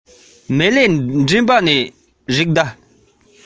ཁྱིམ ཚང འདིའི འོ མ ནི